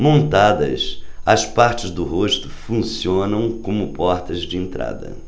montadas as partes do rosto funcionam como portas de entrada